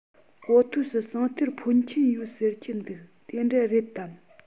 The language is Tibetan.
གོ ཐོས སུ ཟངས གཏེར འཕོན ཆེན ཡོད ཟེར གྱི འདུག དེ འདྲ རེད དམ